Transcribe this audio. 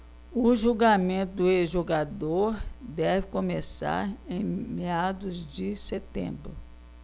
o julgamento do ex-jogador deve começar em meados de setembro